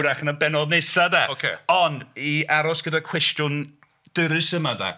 Hwyrach yn y bennod nesa de... ocê. ...ond i aros gyda cwestiwn dyrys yma de.